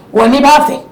Wa ni ba fɛ